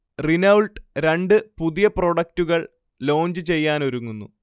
Renault രണ്ട് പുതിയ പ്രൊഡക്ടുകൾ ലോഞ്ച് ചെയ്യാനൊരുങ്ങുന്നു